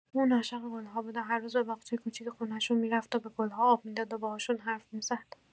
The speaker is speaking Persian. اون عاشق گل‌ها بود و هر روز به باغچه کوچیک خونه‌شون می‌رفت و به گل‌ها آب می‌داد و باهاشون حرف می‌زد.